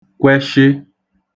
kwẹshị